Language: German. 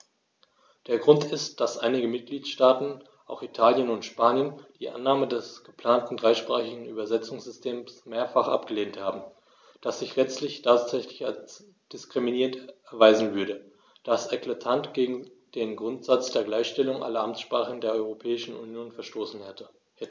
Der Grund ist, dass einige Mitgliedstaaten - auch Italien und Spanien - die Annahme des geplanten dreisprachigen Übersetzungssystems mehrfach abgelehnt haben, das sich letztendlich tatsächlich als diskriminierend erweisen würde, da es eklatant gegen den Grundsatz der Gleichstellung aller Amtssprachen der Europäischen Union verstoßen hätte.